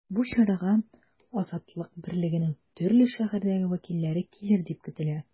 Бу чарага “Азатлык” берлегенең төрле шәһәрдәге вәкилләре килер дип көтелә.